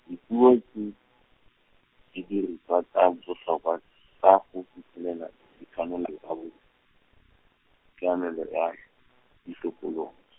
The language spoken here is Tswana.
dipuo ke, didiriswa tsa botlhokwa, tsa go fitlhelela tikologo.